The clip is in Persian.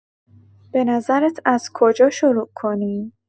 به نظرت از کجا شروع کنیم؟